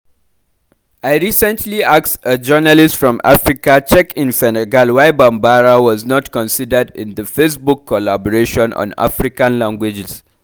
I recently asked a journalist from Africa Check in Senegal why Bambara was not considered in the Facebook collaboration on African languages.